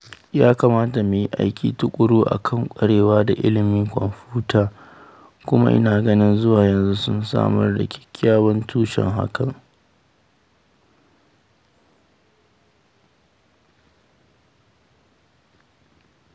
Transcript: Ya kamata mu yi aiki tuƙuru akan ƙwarewa a ilimin kwamfuta kuma ina ganin zuwa yanzu mun samar da kyakkyawan tushen hakan.